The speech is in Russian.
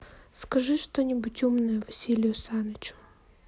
скажи что нибудь умное василию санычу